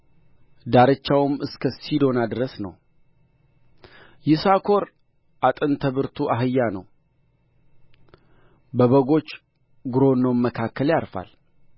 ዳርቻውም እስከ ሲዶና ድረስ ነው ይሳኮር አጥንተ ብርቱ አህያ ነው በበጎች ጕረኖም መካከል ያርፋል